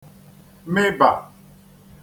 mịbà